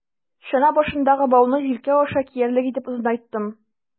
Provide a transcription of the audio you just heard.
Чана башындагы бауны җилкә аша киярлек итеп озынайттым.